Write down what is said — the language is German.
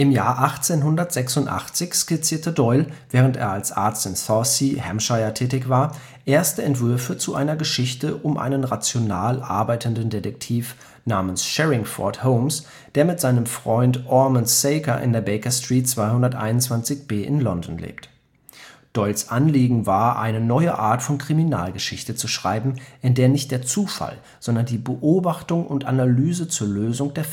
Jahr 1886 skizzierte Doyle, während er als Arzt in Southsea, Hampshire, tätig war, erste Entwürfe zu einer Geschichte um einen rational arbeitenden Detektiv namens Sherrinford Holmes, der mit seinem Freund Ormond Sacker in der Baker Street 221b in London lebt. Doyles Anliegen war, eine neue Art von Kriminalgeschichte zu schreiben, in der nicht der Zufall, sondern die Beobachtung und Analyse zur Lösung der Fälle